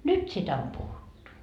nyt sitä on puhuttu